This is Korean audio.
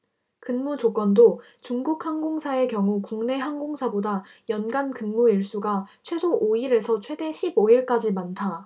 근무조건도 중국 항공사의 경우 국내 항공사보다 연간 근무 일수가 최소 오 일에서 최대 십 오 일까지 많다